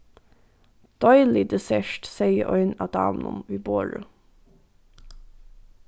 deilig dessert segði ein av damunum við borðið